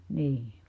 niin